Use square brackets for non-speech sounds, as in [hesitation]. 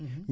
[hesitation] [hesitation]